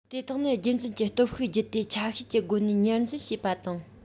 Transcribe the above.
དེ དག ནི རྒྱུད འཛིན གྱི སྟོབས ཤུགས བརྒྱུད དེ ཆ ཤས ཀྱི སྒོ ནས ཉར འཛིན བྱས པ དང